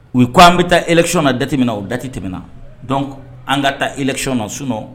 U ko an bɛ taa esyɔn na daminɛna o da tɛm na dɔn an ka taa ekiyɔn na sunɔ